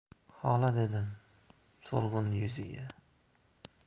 xola dedim so'lg'in yuziga